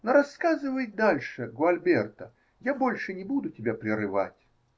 Но рассказывай дальше, Гуальберта, я больше не буду тебя прерывать.